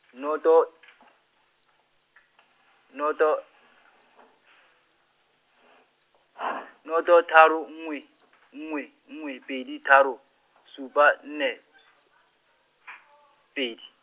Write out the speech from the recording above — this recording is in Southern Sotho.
noto, noto , noto tharo nngwe, nngwe pedi, tharo supa nne , pedi.